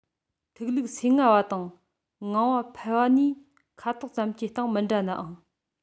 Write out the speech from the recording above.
ཐུག ལུག སེ ངང པ དང ངང པ ཕལ བ གཉིས ཁ དོག ཙམ གྱི སྟེང མི འདྲ ནའང